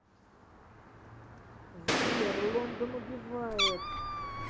сбер лондон убивает